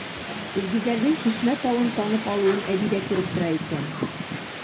Илгизәрнең Чишмә тавын танып алуын әби дә күреп тора икән.